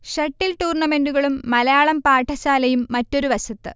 shuttle ടൂർണമെന്റുകളും മലയാളം പാഠശാലയും മറ്റൊരു വശത്ത്